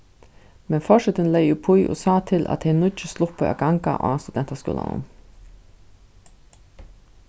men forsetin legði uppí og sá til at tey níggju sluppu at ganga á studentaskúlanum